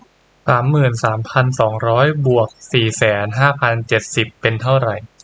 สามหมื่นสามพันสองร้อยบวกสี่แสนห้าพันเจ็ดสิบเป็นเท่าไร